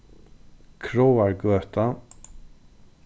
kráargøta